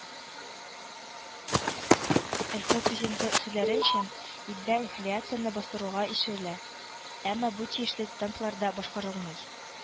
РФ Президенты сүзләренчә, илдә инфляцияне бастыруга ирешелә, әмма бу тиешле темпларда башкарылмый